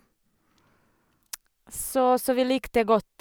så Så vi likte godt.